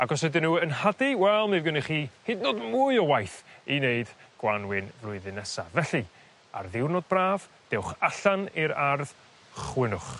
ag os ydyn n'w yn hadu wel mi fy' gynnoch chi hyd yn o'd mwy o waith i neud Gwanwyn flwyddyn nesa felly ar ddiwrnod braf dewch allan i'r ardd chwynwch.